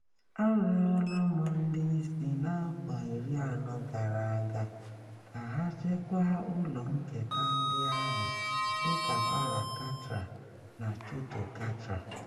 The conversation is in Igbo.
Arịọla m ndị isi n'afọ iri anọ gara aga ka ha chekwaa ụlọ nketa ndị ahụ dịka Bara Katra na Choto Katra.